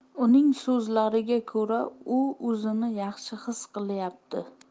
uning so'zlariga ko'ra u o'zini yaxshi his qilyapti